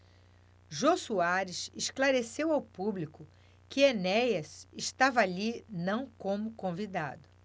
jô soares esclareceu ao público que enéas estava ali não como convidado